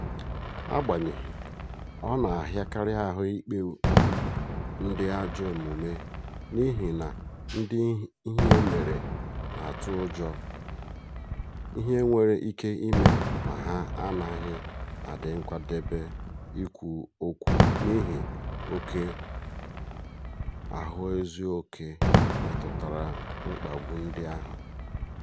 Agbanyehị, ọ na-ahịakarị ahụ ikpegbu ndị ajọ omume n'ihi na ndị ihe mere na-atụ ụjọ ihe nwere ike ime ma ha anaghị adị nkwadebe ikwu okwu n'ihi oke ahụezuoke metụtara mkpagbu ndị ahụ.